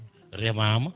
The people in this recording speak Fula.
remama